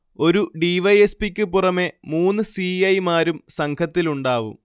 ഒരു D. Y. S. പിക്കു പുറമെ മൂന്ന് സി. ഐ. മാരും സംഘത്തിലുണ്ടാവും